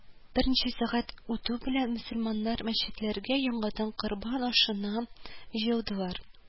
Берничә сәгать үтү белән мөселманнар мәчетләргә яңадан корбан ашына җыелдылар